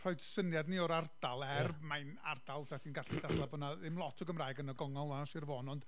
rhoi syniad i ni o'r ardal, er... ia. ...mae'n ardal, 'sa ti'n gallu dadlau , bod 'na ddim lot o Gymraeg yn y gongl yna'n Sir Fon ond,